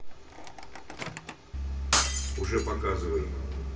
уже показывай